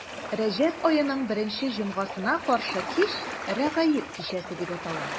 Рәҗәб аеның беренче җомгасына каршы кич Рәгаиб кичәсе дип атала.